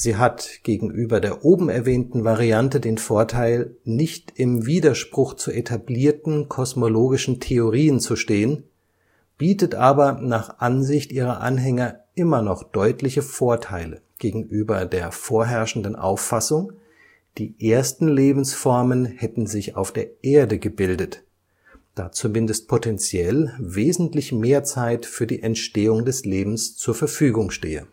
hat gegenüber der oben erwähnten Variante den Vorteil, nicht im Widerspruch zu etablierten kosmologischen Theorien zu stehen, bietet aber nach Ansicht ihrer Anhänger immer noch deutliche Vorteile gegenüber der vorherrschenden Auffassung, die ersten Lebensformen hätten sich auf der Erde gebildet, da zumindest potentiell wesentlich mehr Zeit für die Entstehung des Lebens zur Verfügung stehe